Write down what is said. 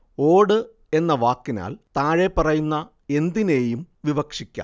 ഓട് എന്ന വാക്കിനാല്‍ താഴെപ്പറയുന്ന എന്തിനേയും വിവക്ഷിക്കാം